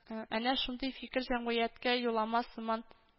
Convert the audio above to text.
Әнә шундый фикер җәмгыятькә юллама сыман